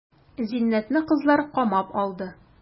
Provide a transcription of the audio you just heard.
Зиннәтне кызлар камап алды.